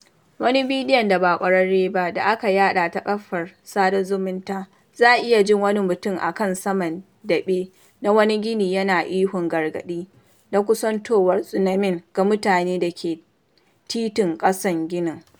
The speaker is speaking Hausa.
Wani bidiyon da ba ƙwararre ba da aka yaɗa ta kafar sada zumunta za a iya jin wani mutum a kan saman daɓe na wani gini yana ihun gargaɗi na kusantowar tsunami ga mutane da ke titin ƙasan ginin.